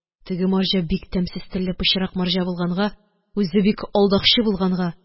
Теге марҗа бик тәмсез телле пычрак марҗа булганга, үзе бик алдакчы булганга,